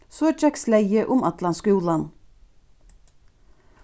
so gekk sleygið um allan skúlan